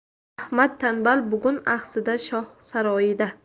ahmad tanbal bugun axsida shoh saroyida